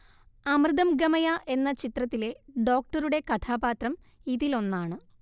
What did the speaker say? അമൃതം‌ ഗമയ എന്ന ചിത്രത്തിലെ ഡോക്ടറുടെ കഥാപാത്രം ഇതിലൊന്നാണ്